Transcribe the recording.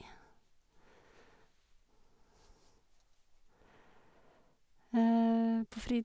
På fri...